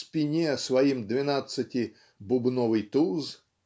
к спине своим двенадцати "бубновый туз"